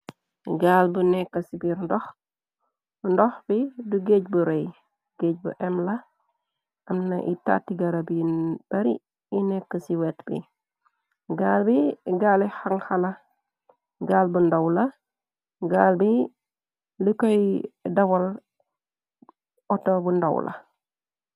Gaal bu nekk ci biir ndox bi du géej bu rëy géej bu em la am na i tatti garab yi bari i nekk ci wet bi gaal bi gaali xanxala gaal bu ndaw la gaal bi li koy dawal outo bu ndaw la.